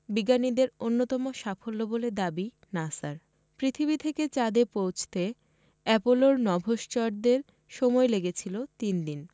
বিজ্ঞানীদের অন্যতম সাফল্য বলে দাবি নাসার পৃথিবী থেকে চাঁদে পৌঁছতে অ্যাপোলোর নভোশ্চরদের সময় লেগেছিল তিন দিন